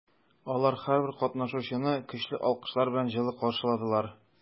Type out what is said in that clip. Алар һәрбер катнашучыны көчле алкышлар белән җылы каршыладылар.